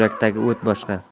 yurakdagi o't boshqa